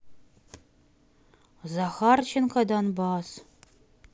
захарченко донбасс